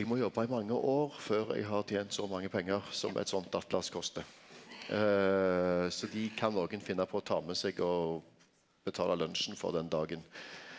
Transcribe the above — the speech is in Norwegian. eg må jobba i mange år før eg har tent så mange pengar som eit sånt atlas koster, så dei kan nokon finna på å ta med seg og betala lunsjen for den dagen.